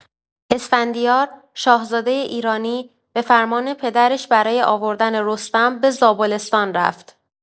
اسفندیار، شاهزادۀ ایرانی، به‌فرمان پدرش برای آوردن رستم به زابلستان رفت.